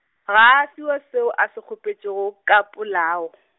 ga a fiwe seo a se kgopetšego, ka polao .